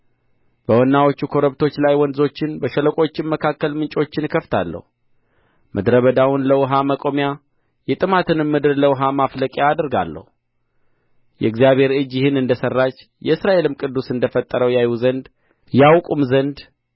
በወናዎቹ ኮረብቶች ላይ ወንዞችን በሸለቆችም መካከል ምንጮችን እከፍታለሁ ምድረ በዳውን ለውኃ መቆሚያ የጥማትንም ምድር ለውኃ መፍለቂያ አደርጋለሁ የእግዚአብሔር እጅ ይህን እንደ ሠራች የእስራኤልም ቅዱስ እንደ ፈጠረው ያዩ ዘንድ ያውቁም ዘንድ